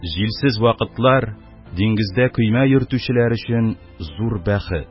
Җилсез вакытлар — диңгездә көймә йөртүчеләр өчен зур бәхет.